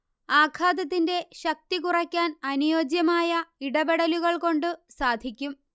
ആഘാതത്തിന്റെ ശക്തി കുറയ്ക്കാൻ അനുയോജ്യമായ ഇടപെടലുകൾകൊണ്ടു സാധിക്കും